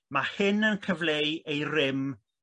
ma' hyn yn cyfleu ei rym